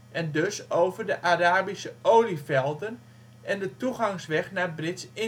en dus over de Arabische olievelden en de toegangsweg naar Brits-Indië